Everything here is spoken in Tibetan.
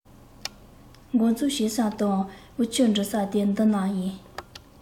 མགོ འཛུགས བྱེད ས དང དབུ ཁྱུད འབྲི ས དེ འདི ནས ཡིན